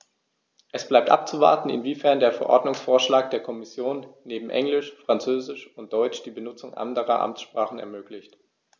Es bleibt abzuwarten, inwiefern der Verordnungsvorschlag der Kommission neben Englisch, Französisch und Deutsch die Benutzung anderer Amtssprachen ermöglicht.